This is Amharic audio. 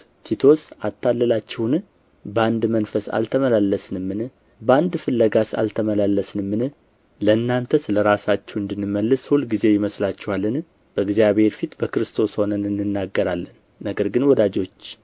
ቲቶስ አታለላችሁን በአንድ መንፈስ አልተመላለስንምን በአንድ ፍለጋስ አልተመላለስንም ለእናንተ ስለ ራሳችን እንድንመልስ ሁልጊዜ ይመስላችኋልን በእግዚአብሔር ፊት በክርስቶስ ሆነን እንናገራለን ነገር ግን ወዳጆች